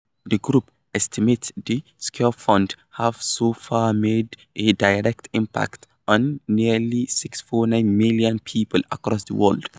The group estimates the secured funds have so far made a direct impact on nearly 649 million people across the world.